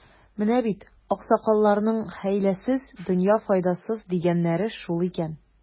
Менә бит, аксакалларның, хәйләсез — дөнья файдасыз, дигәннәре шул икән.